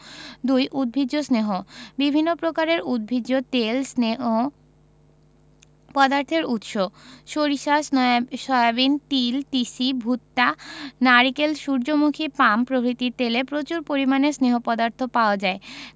২. উদ্ভিজ্জ স্নেহ বিভিন্ন প্রকারের উদ্ভিজ তেল স্নেহ পদার্থের উৎস সরিষা সয়াবিন তিল তিসি ভুট্টা নারকেল সুর্যমুখী পাম প্রভৃতির তেলে প্রচুর পরিমাণে স্নেহ পদার্থ পাওয়া যায়